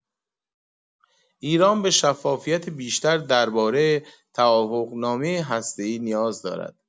ایران به شفافیت بیشتر درباره توافقنامه هسته‌ای نیاز دارد.